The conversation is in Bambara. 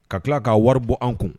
Ka tila k'a wari bɔ an kun